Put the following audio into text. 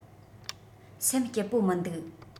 སེམས སྐྱིད པོ མི འདུག